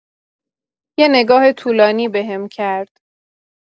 یه نگاه طولانی بهم کرد.